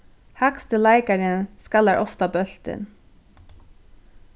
hægsti leikarin skallar ofta bóltin